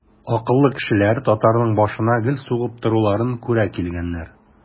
Акыллы кешеләр татарның башына гел сугып торуларын күрә килгәннәр.